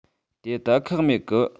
དེ ད ཁག མེད གི